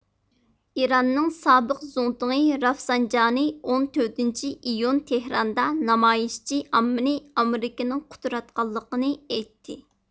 ئىراننىڭ سابىق زۇڭتۇڭى رافسانجانى ئون تۆتىنچى ئىيۇن تېھراندا نامايىشچى ئاممىنى ئامېرىكىنىڭ قۇتراتقانلىقىنى ئېيتتى